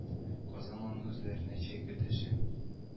Казан аны үзләренә чәйгә дәшә